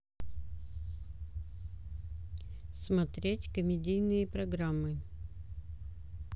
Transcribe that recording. смотреть комедийные программы